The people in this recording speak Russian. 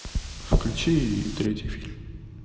включи третий фильм